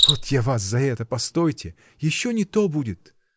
вот я вас за это, постойте: еще не то будет!